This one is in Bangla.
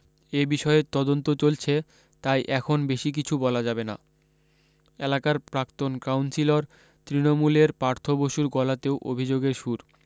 এ বিষয়ে তদন্ত চলছে তাই এখন বেশী কিছু বলা যাবে না এলাকার প্রাক্তন কাউন্সিলর তৃণমূলের পার্থ বসুর গলাতেও অভি্যোগের সুর